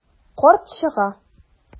Карт чыга.